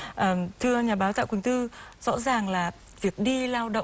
à thưa nhà báo tạ quỳnh tư rõ ràng là việc đi lao động